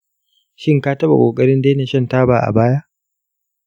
shin ka taɓa ƙoƙarin daina shan taba a baya?